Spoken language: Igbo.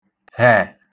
-hẹ̀